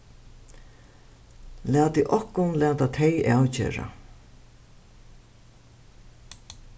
latið okkum lata tey avgera